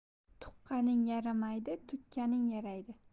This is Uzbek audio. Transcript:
tuqqaning yaramaydi tukkaning yaraydi